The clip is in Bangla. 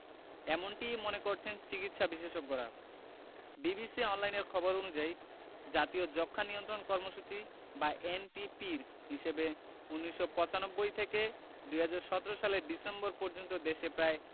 এমনটিই মনে করছেন চিকিৎসাবিশেষজ্ঞরা বিবিসি অনলাইনের খবর অনুযায়ী জাতীয় যক্ষ্মা নিয়ন্ত্রণ কর্মসূচি বা এনটিপির হিসেবে ১৯৯৫ থেকে ২০১৭ সালের ডিসেম্বর পর্যন্ত দেশে প্রায়